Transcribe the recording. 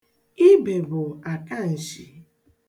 Ibe bụ akanshi.